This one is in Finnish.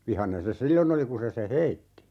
vihainen se silloin oli kun se sen heitti